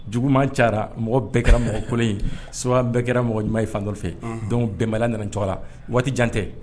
Juguman ca mɔgɔ bɛɛ kɛra mɔgɔkolo in su bɛɛ kɛra mɔgɔ ɲuman ye fan dɔ fɛ don bɛnba nana cogoya la waati jan tɛ